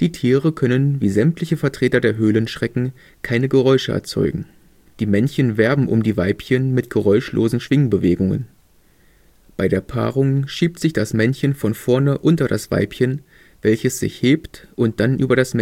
Tiere können wie sämtliche Vertreter der Höhlenschrecken keine Geräusche erzeugen; die Männchen werben um die Weibchen mit geräuschlosen Schwingbewegungen. Bei der Paarung schiebt sich das Männchen von vorne unter das Weibchen, welches sich hebt und dann über das